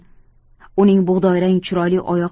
uning bug'doyrang chiroyli oyoq